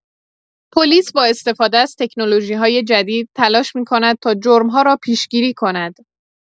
پلیس با استفاده از تکنولوژی‌های جدید تلاش می‌کند تا جرم‌ها را پیش‌گیری کند.